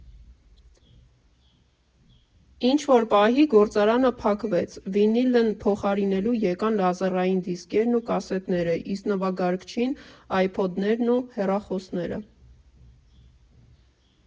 Ինչ֊որ պահի գործարանը փակվեց, վինիլին փոխարինելու եկան լազերային դիսկերն ու կասետները, իսկ նվագարկչին՝ այփոդներն ու հեռախոսները։